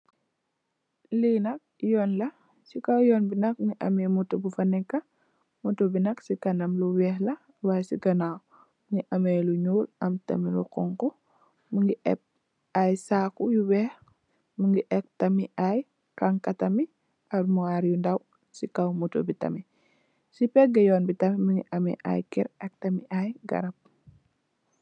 Lee nak yoon la se kaw yoon be nak muge ameh motou bufa neka motou be nak se kanam lu weex la y se ganaw muge ameh lu nuul am tam lu xonxo muge ebb aye saku yu weex muge ebb tamin aye kanka tamin almowar yu ndaw se kaw motou be tamin se pege yoon be tamin ameh aye kerr ak tamin aye garab.